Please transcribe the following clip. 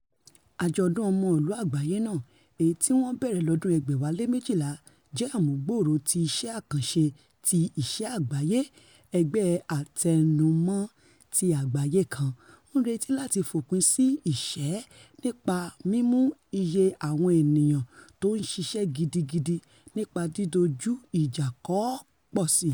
Àjọ̀dun Ọmọ Ìlú Àgbáyé náà, èyití wọ́n bẹ̀rẹ̀ lọ́dún 2012, jẹ́ àmúgbòòrò tí Iṣẹ́ Àkànṣe ti Ìṣẹ́ Àgbáyé, ẹgbẹ́ aláàtẹnumọ́ ti àgbáyé kan ńrétí láti fòpin sí ìṣẹ́ nípa mímú iye àwọn ènìyàn tó ńṣiṣẹ́ gidigidi nípa dídojú ìjà kọ ọ́ pọ̀síi.